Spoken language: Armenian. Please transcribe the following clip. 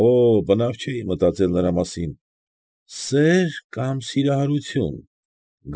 Օօ՛, բնավ չէի մտածել նրա մասին։ Սե՞ր կամ սիրահարությո՞ւն։